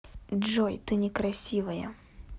джой ты некрасивая